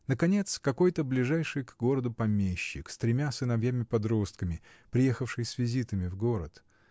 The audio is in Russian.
Наконец, какой-то ближайший к городу помещик, с тремя сыновьями-подростками, приехавший с визитами в город.